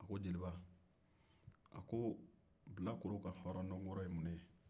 a ko jeliba a ko bilakorow ka hɔrɔndɔnhɔrɔ ye mun de ye